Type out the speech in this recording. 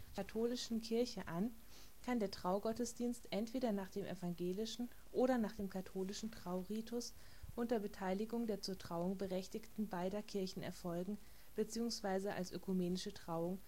katholischen Kirche an, kann der Traugottesdienst entweder nach dem evangelischen oder nach dem katholischen Trauritus unter Beteiligung der zur Trauung Berechtigten beider Kirchen erfolgen bzw. als ökumenische Trauung